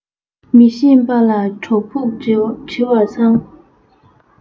མི ཤེས པ ལ གྲོས ཕུགས འདྲི བ མཚང